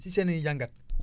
si seen i jàngat